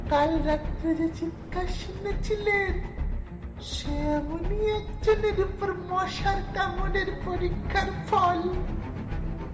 কাল রাতের চিৎকার শুনে ছিলেন সে এমনই একজন এর উপর মশার কামড়ের পরীক্ষার ফল